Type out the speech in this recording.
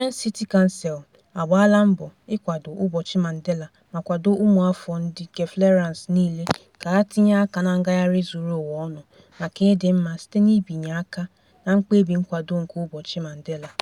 Firenze City Council agbaala mbọ ịkwado Ụbọchị Mandela ma kwado ụmụafọ nke Florence niile ka ha tinye aka na ngagharị zuru ụwa ọnụ maka ịdị mma site n'ịbịanye aka na mkpebi nkwado nke Ụbọchị Mandela.